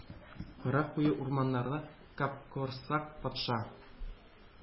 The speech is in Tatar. Кара куе урманнарны капкорсак патша